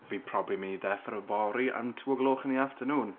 fi probably mynd i ddeffro fory, am two o gloch in the afternoon.